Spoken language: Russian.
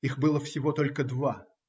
Их было всего только два